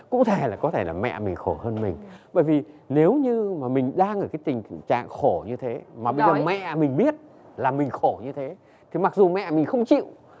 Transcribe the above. cụ thể là có thể là mẹ mình khổ hơn mình bởi vì nếu như mà mình đang ở cái tình trạng khổ như thế mà bây giờ mẹ mình biết là mình khổ như thế thì mặc dù mẹ mình không chịu